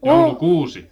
joulukuusi